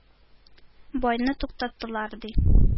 Байны туктаттылар, ди.